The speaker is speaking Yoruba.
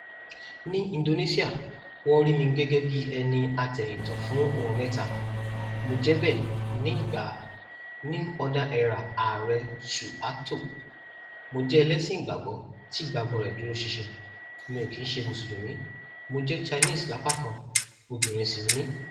Ní indonesia, wọ́n rí mí gẹ́gẹ́ bí ẹni atẹyìntọ̀ fún ohun mẹ́ta – mo jẹ́ bẹ́ẹ̀ nígbà New Order era Aàrẹ Suharto: Mo jẹ́ ẹlẹ́sin ìgbàgbọ́ tí ìgbàgbọ́ rẹ̀ dúró ṣinṣin, mi ò kìí ṣe Mùsùlùmí, Mo jẹ́ Chinese lápá kan, obìnrin sì ni mí.